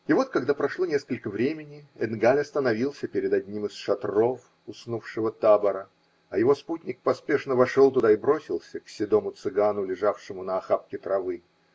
И вот, когда прошло несколько времени, Энгаль остановился перед одним из шатров уснувшего табора, а его спутник поспешно вошел туда и бросился к седому цыгану, лежавшему на охапке травы.